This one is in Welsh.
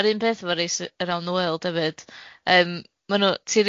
A'r un peth efo Race Around the World 'efyd yym mae nw ti